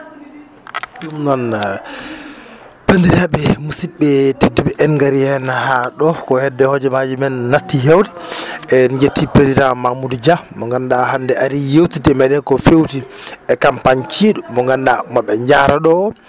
ɗum noon banndiraaɓe musidɓe tedduɓe en ngarii heen haa ɗoo ko hedde hojomaaji men nattii heewde en njettii président Mamoudou Dia mo ngannduɗaa hannde arii yewtidde e meeɗen ko feewti e campagne ceeɗu mo ngannduɗaa mo ɓe njahata ɗoo